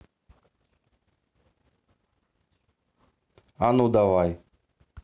а ну давай